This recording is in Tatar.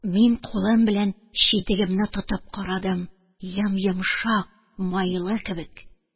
Мин кулым белән читегемне тотып карадым, йом-йомшак, майлы кебек.